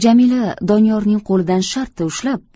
jamila doniyorning qo'lidan shartta ushlab